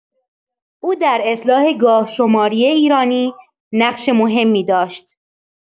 او در اصلاح گاه‌شماری ایرانی نقش مهمی داشت.